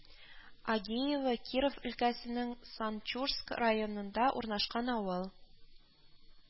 Агеево Киров өлкәсенең Санчурск районында урнашкан авыл